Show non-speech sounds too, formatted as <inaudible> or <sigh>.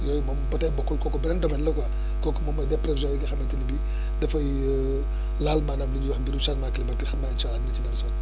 yooyu moom ba tey bokkul kooku beneen domaine la quoi kooku moom mooy des prévisions yi nga xamante ne bii <breath> dafay <hesitation> laal maanaam lu ñuy wax mbirum changement climatique xam naa incha allah dinañ si dellusiwaat